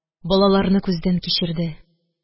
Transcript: Балаларны күздән кичерде: